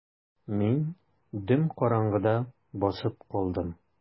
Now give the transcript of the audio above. Мин дөм караңгыда басып калдым.